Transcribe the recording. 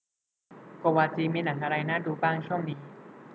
โกวาจีมีหนังอะไรน่าดูบ้างช่วงนี้